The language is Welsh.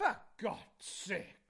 or God's sake!